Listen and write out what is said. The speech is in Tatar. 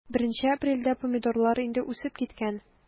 1 апрельдә помидорлар инде үсеп киткән.